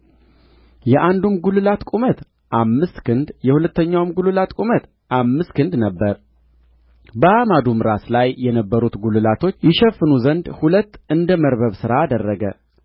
የአንዱም ጕልላት ቁመት አምስት ክንድ የሁለተኛውም ጕልላት ቁመት አምስት ክንድ ነበረ በአዕማዱም ራስ ላይ የነበሩትን ጕልላቶች ይሸፍኑ ዘንድ ሁለት እንደ መርበብ ሥራ አደረገ